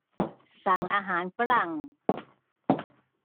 สั่งอาหารฝรั่ง